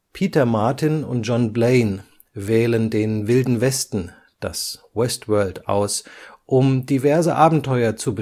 Peter Martin und John Blane wählen den Wilden Westen (Westworld) aus, um diverse Abenteuer zu